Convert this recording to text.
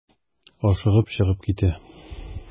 Ашыгып чыгып китә.